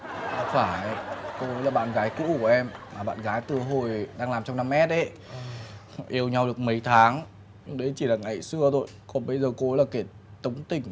không phải cô ý là bạn gái cũ của em là bạn gái từ hồi đang làm trong năm ét ý yêu nhau được mấy tháng đấy chỉ là ngày xưa thôi còn bây giờ cô là kẻ tống tình